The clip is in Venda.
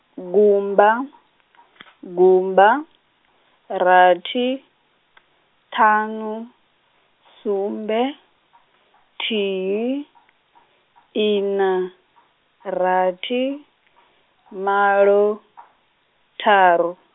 gumba, gumba, rathi, ṱhanu, sumbe , thihi, ina, rathi, malo, ṱharu.